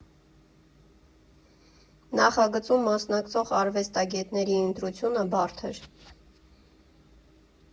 Նախագծում մասնակցող արվեստագետների ընտրությունը բարդ էր։